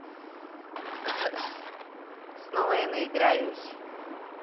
снова я наиграюсь